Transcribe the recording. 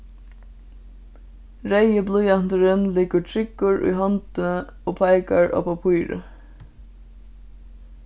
reyði blýanturin liggur tryggur í hondini og peikar á pappírið